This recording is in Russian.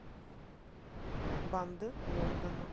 банды лондона